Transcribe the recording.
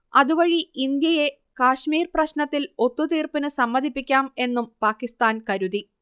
അതുവഴി ഇന്ത്യയെ കാശ്മീർ പ്രശ്നത്തിൽ ഒത്തുതീർപ്പിനു സമ്മതിപ്പിക്കാം എന്നും പാകിസ്താൻ കരുതി